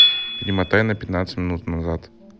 перемотай на пятнадцать минут назад